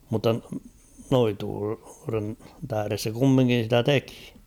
mutta noituuden tähden se kumminkin sitä teki